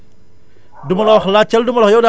kon nag jeex na yow waxtaan bi